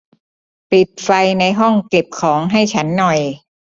ปิดไฟในห้องเก็บของให้ฉันหน่อย